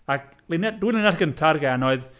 Ac li- dwy linell gyntaf gân oedd...